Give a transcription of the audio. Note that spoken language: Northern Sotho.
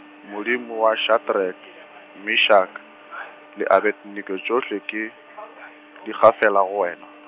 Modimo wa Shadrack, Meshack, le Abednego, tšohle ke, di gafela go wena.